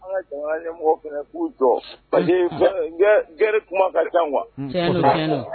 An ka jamana ɲɛmɔgɔw fana k'u jɔ guerre kuma ka ca quoi tiɲɛ don tiɲɛ don